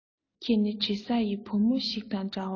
ཁྱེད ནི དྲི ཟ ཡི བུ མོ ཞིག དང འདྲ བར